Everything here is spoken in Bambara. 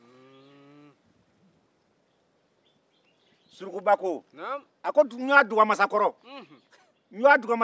surukuba ko n dawaa dugumasa kɔrɔ n dwaa dugumasa kɔrɔ